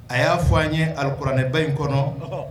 A y'a fɔ a an ye alikuranɛba in kɔnɔ